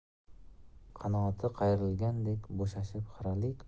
qanoti qayrilgandek bo'shashib xiralik